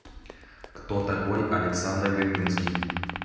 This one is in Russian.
кто такой александр гордынский